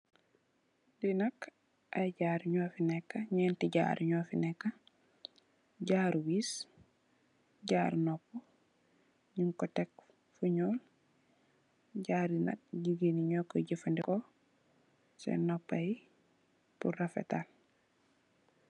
Lenak ai jaru mufineka nenti jaru wees jaru nopa jaru nak gegen nyu ko dey jafandeko sen nopaye pur refetal.